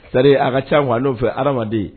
C'est à dire a ka ca quoi n'o fɛ hadamaden